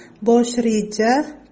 bosh reja